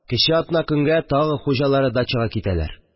Кече атна көнгә тагы хуҗалары дачага китәләр